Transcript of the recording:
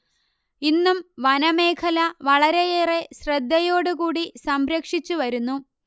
ഇന്നും വനമേഖല വളരെയേറെ ശ്രദ്ധയോടുകൂടി സംരക്ഷിച്ചു വരുന്നു